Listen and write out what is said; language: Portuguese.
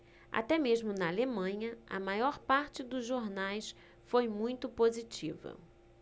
até mesmo na alemanha a maior parte dos jornais foi muito positiva